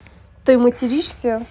ты материшься